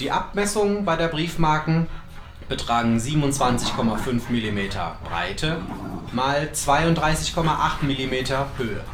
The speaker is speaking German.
Abmessungen beider Briefmarken betragen 27,5 mm (Breite) mal 32,8 mm (Höhe